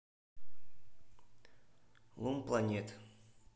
лум планет